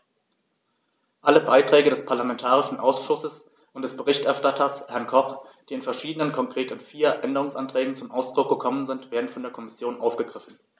Alle Beiträge des parlamentarischen Ausschusses und des Berichterstatters, Herrn Koch, die in verschiedenen, konkret in vier, Änderungsanträgen zum Ausdruck kommen, werden von der Kommission aufgegriffen.